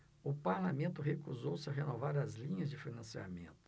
o parlamento recusou-se a renovar as linhas de financiamento